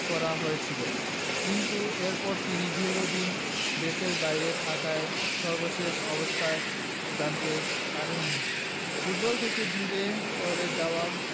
করা হয়েছিল কিন্তু এরপর তিনি দীর্ঘদিন দেশের বাইরে থাকায় সর্বশেষ অবস্থা জানতে পারেননি ফুটবল থেকে দূরে সরে যাওয়া